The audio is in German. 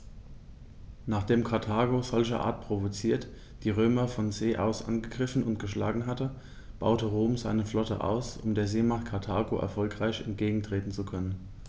Nachdem Karthago, solcherart provoziert, die Römer von See aus angegriffen und geschlagen hatte, baute Rom seine Flotte aus, um der Seemacht Karthago erfolgreich entgegentreten zu können.